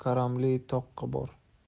karamli toqqa bor